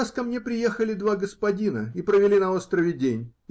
Раз ко мне приехали два господина и провели на острове день